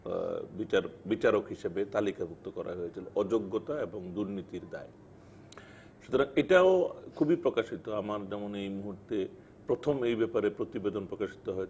বিচারক হিসেবে তালিকাভুক্ত করা হয়েছিল যোগ্যতা এবং দুর্নীতির দায়ে সুতরাং এটাও খুবই প্রকাশিত আমার যেমন এই মুহূর্তে প্রথম এই ব্যাপারে প্রতিবেদন প্রকাশিত হয়